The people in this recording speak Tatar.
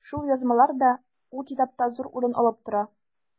Шул язмалар да ул китапта зур урын алып тора.